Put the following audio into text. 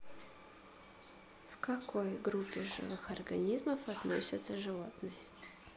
в какой группе живых организмов относятся животные